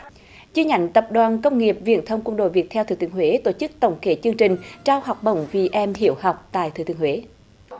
chi nhánh tập đoàn công nghiệp viễn thông quân đội việt theo thừa thiên huế tổ chức tổng kết chương trình trao học bổng vì em hiếu học tại thừa thiên huế